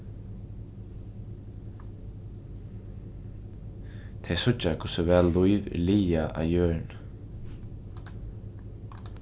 tey síggja hvussu væl lív er lagað á jørðini